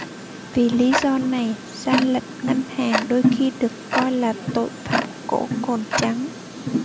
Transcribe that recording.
vì lý do này gian lận ngân hàng đôi khi được coi là tội phạm cổ cồn trắng